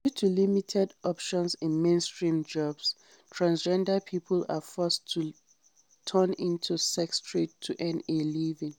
Due to limited options in mainstream jobs, transgender people are forced to turn to the sex trade to earn a living.